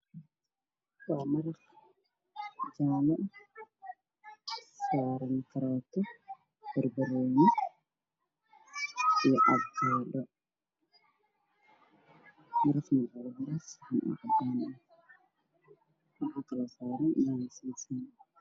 Waa dukaan ayaa laan shacarar noocyo walba saarkaas oo ah mid buluug gaduud caddaan Jaale